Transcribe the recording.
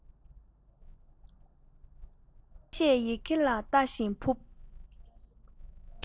གསལ བཤད ཡི གེ ལ ལྟ བཞིན ཕུབ